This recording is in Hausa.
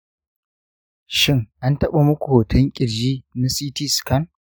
shin an taɓa muku hoton ƙirji na ct scan?